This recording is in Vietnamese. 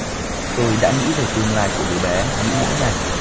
tôi đã nghĩ về tương lai của đứa bé nghĩ mỗi ngày